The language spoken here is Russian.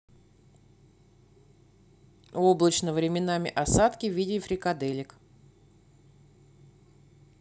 облачно временами осадки в виде фрикаделек